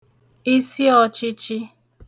isiọ̄chị̄chị̄